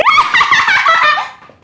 ha